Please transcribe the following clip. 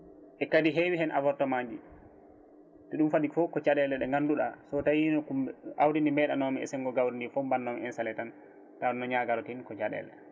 e kadi heewi hen avortement ji te ɗum kadi fo ko caɗele ɗe ganduɗa so tawino ko awdi ndi meeɗanoma e senggo gawri ndi foof mbannomi installé tan tawanno ñagarotin ko caɗele